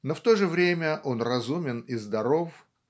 Но в то же время он разумен и здоров